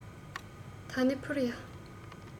ད ནི འཕུར ཡ